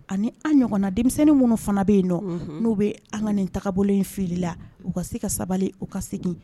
Ani an ɲɔgɔn na denmisɛnnin minnu fana bɛ yen dɔn n'u bɛ an ka nin taga bolo in fili la u ka se ka sabali u ka segin